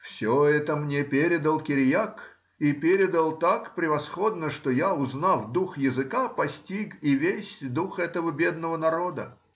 Все это мне передал Кириак, и передал так превосходно, что я, узнав дух языка, постиг и весь дух этого бедного народа